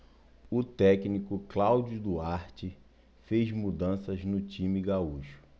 o técnico cláudio duarte fez mudanças no time gaúcho